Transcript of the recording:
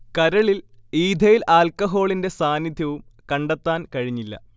കരളിൽ ഈഥെയ്ൽ ആൽക്കഹോളിന്റെ സാന്നിധ്യവും കണ്ടെത്താൻ കഴിഞ്ഞില്ല